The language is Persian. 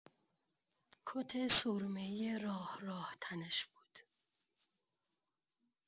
کت سرمه‌ای راه‌راه تنش بود.